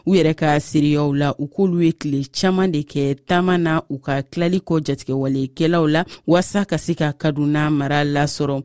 u yɛrɛ ka seereyaw la u k'olu ye tile caman de kɛ taama na u ka tilali kɔ jatigɛwalekɛlaw la walasa ka se ka kaduna mara lasɔrɔ